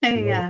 Ie.